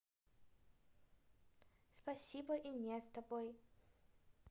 спасибо и мне с тобой